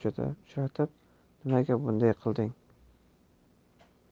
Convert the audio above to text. ko'chada uchratib nimaga bunday qilding